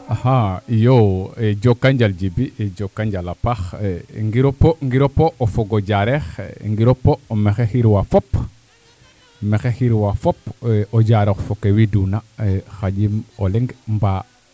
axa iyoo jokonjal Djiby jokonjal a paax njiroopo njiropOo o fog o Diarekh njiroopo maxey xirwa fop maxey xirwa fop o Diarekh fe ke widuna xaƴiim o leŋ mbaa